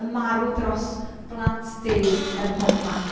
Yn marw dros blant Duw ym mhobman.